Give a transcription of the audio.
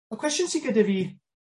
Y cwesiwn sy gyda fi